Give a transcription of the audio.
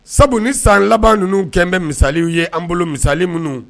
Sabu ni san laban ninnu kɛ bɛ misaliw ye an bolo misali minnu